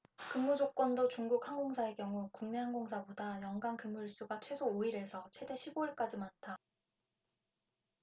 근무조건도 중국 항공사의 경우 국내 항공사보다 연간 근무 일수가 최소 오 일에서 최대 십 오 일까지 많다